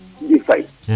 coumba faye